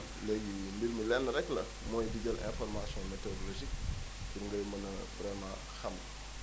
léegi mbir mi lenn rek la mooy di jël informations météorologiques pour ngay mën a vraiment xam